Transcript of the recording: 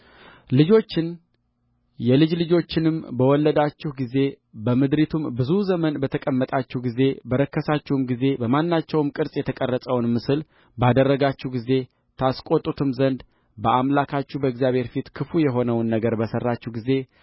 ልጆችን የልጅ ልጆችንም በወለዳችሁ ጊዜ በምድሪቱም ብዙ ዘመን በተቀመጣችሁ ጊዜ በረከሳችሁም ጊዜ በማናቸውም ቅርጽ የተቀረጸውን ምስል ባደረጋችሁ ጊዜ ታስቈጡትም ዘንድ በአምላካችሁ በእግዚአብሔር ፊት ክፉ የሆነውን ነገር በሠራችሁ ጊዜ